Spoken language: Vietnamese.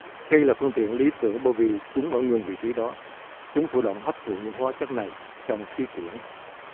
cây là phương tiện lý tưởng bởi vì chúng ở nguyên vị trí đó chúng chủ động hấp thụ những hóa chất này trong khí quyển